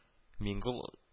Миңгол